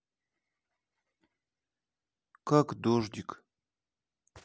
как дождик